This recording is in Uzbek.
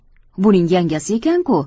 buning yangasi ekan ku